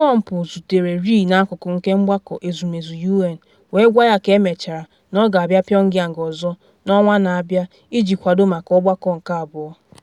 Pompeo zutere Ri n’akụkụ nke Mgbakọ Ezumezu U.N. wee gwa ya ka emechara na ọ ga-abịa Pyongyang ọzọ n’ọnwa na-abịa iji kwado maka ọgbakọ nke abụọ.